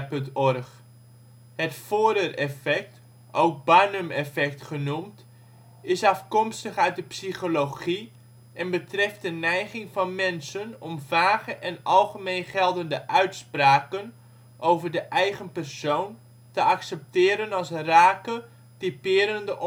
Het Forer-effect, ook Barnum-effect genoemd, is afkomstig uit de psychologie en betreft de neiging van mensen om vage en algemeen geldende uitspraken over de eigen persoon te accepteren als rake, typerende omschrijving